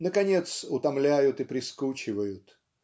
наконец утомляют и прискучивают.